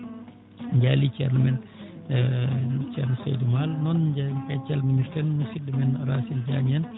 en njaali ceerno men ceerno Saydou Maal noon njahen calminirten musidɗo men Racine Diagne en